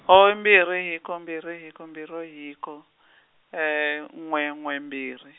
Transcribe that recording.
oh mbirhi hiko mbirhi hiko mbirhi hiko, n'we n'we mbirhi.